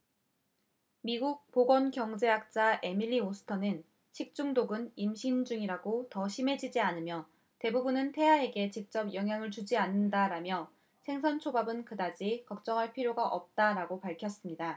미국 보건경제학자 에밀리 오스터는 식중독은 임신 중이라고 더 심해지지 않으며 대부분은 태아에게 직접 영향을 주지 않는다라며 생선초밥은 그다지 걱정할 필요가 없다라고 밝혔습니다